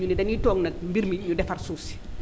ñu ni dañuy toog nag mbir mi ñu defar suuf si